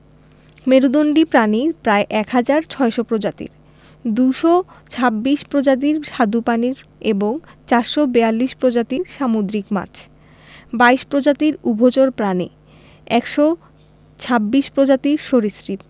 মেরুদন্ডী প্রাণী প্রায় ১হাজার ৬০০ প্রজাতির ২২৬ প্রজাতির স্বাদু পানির এবং ৪৪২ প্রজাতির সামুদ্রিক মাছ ২২ প্রজাতির উভচর প্রাণী ১২৬ প্রজাতির সরীসৃপ